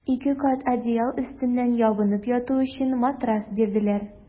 Ике кат одеял өстеннән ябынып яту өчен матрас бирделәр.